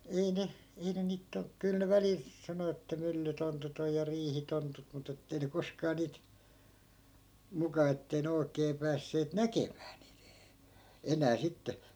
ei ne ei ne niitä - kyllä ne välillä sanoi että myllytontut on ja riihitontut mutta että ei ne koskaan niitä muka että ei ne oikein päässeet näkemään - enää sitten